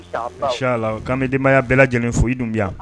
Cla'denbayaya bɛɛ lajɛlen foyi i dunbi